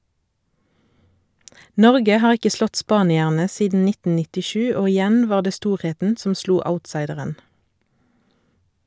Norge har ikke slått spanierne siden 1997, og igjen var det storheten som slo outsideren.